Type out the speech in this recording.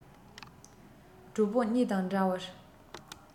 གྲོགས པོ གཉིས དང འདྲ བར